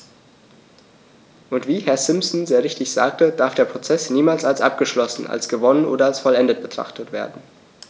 Und wie Herr Simpson sehr richtig sagte, darf der Prozess niemals als abgeschlossen, als gewonnen oder als vollendet betrachtet werden.